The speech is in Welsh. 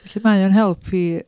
Felly mae o'n help i...